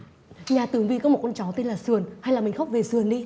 nhà tường vi có một con chó tên là sườn hay là mình khóc về sườn đi